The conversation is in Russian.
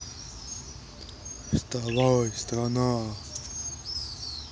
вставай страна